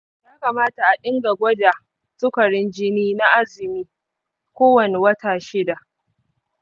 ya kamata a dinga gwada sukarin jini na azumi kowane wata shida.